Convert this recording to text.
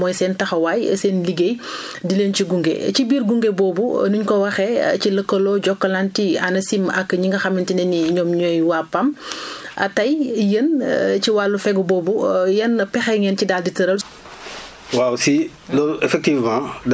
mu bokk si nag li nga xamante ne nii moom mooy seen taxawaay seen liggéey di leen ci gunge ci biir gunge boobu nu ñu ko waxee ci lëkkaloo Jokalante ANACIMak ñi nga xamante ne nii ñoom ñooy waa PAM tey yéen ci wàllu fegu boobu yan pexe ngeen si daal di tëral